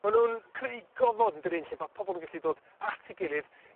Ma' nw'n creu gofod yndydi un lle ma' pobol yn gallu dod at 'i gilydd